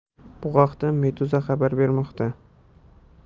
bu haqda meduza xabar bermoqda